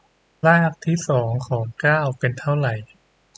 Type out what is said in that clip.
รากที่สองของเก้าเป็นเท่าไหร่